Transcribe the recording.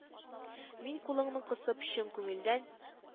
Мин кулыңны кысып, чын күңелдән: